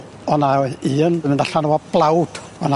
O 'na un yn mynd allan efo blawd